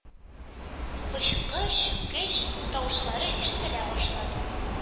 Пычкы, чүкеч тавышлары ишетелә башлады.